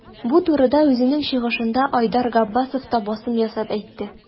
Бу турыда үзенең чыгышында Айдар Габбасов та басым ясап әйтте.